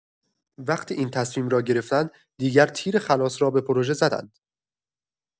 وقتی این تصمیم را گرفتند، دیگر تیر خلاص را به پروژه زدند.